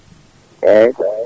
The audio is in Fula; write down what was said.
eyyi